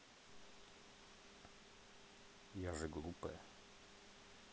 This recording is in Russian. я же глупая